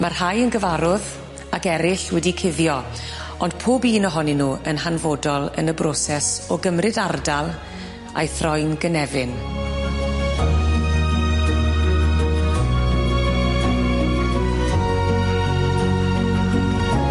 Ma' rhai yn gyfarwdd ac eryll wedi cuddio ond pob un ohonyn nw yn hanfodol yn y broses o gymryd ardal a'i throi'n gynefin.